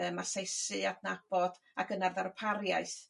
yym asaesu adnabod ac yna ddarpariaeth